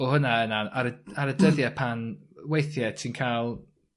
o hwnna yy nawr ar y ar y dyddie pan weithie ti'n ca'l